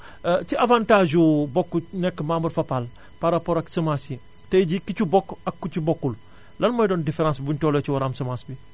ci avantage bokku nekk membre Fapal par rapport ak semence yi tey jii ki ci bokk ak ku ci bokkul lan mooy doon différence bi buñu tollee ci war a am semence bi